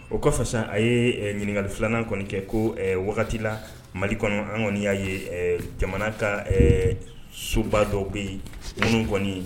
O ka fisa fisa a ye ɲininkakali filanan kɔni kɛ ko wagati la mali kɔnɔ an kɔni y'a ye jamana ka soba dɔ bɛ yen minnu kɔniɔni